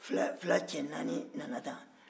fila cɛ naani nana tan